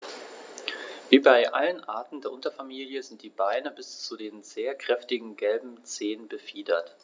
Wie bei allen Arten der Unterfamilie sind die Beine bis zu den sehr kräftigen gelben Zehen befiedert.